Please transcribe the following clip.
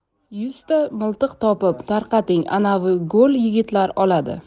yuzta miltiq topib tarqating anavi go'l yigitlar oladi